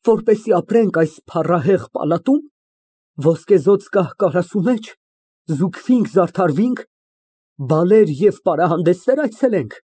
Որպեսզի ապրենք այս փառահեղ պալատո՞ւմ, ոսկեզօծ կահ֊կարասու մե՞ջ, զուգվինք ֊ զարդարվինք, բալեր ու պարահանդեսնե՞ր այցելենք։